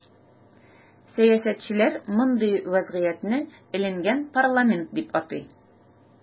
Сәясәтчеләр мондый вазгыятне “эленгән парламент” дип атый.